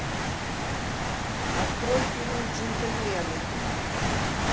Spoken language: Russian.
открой фильм джентльмены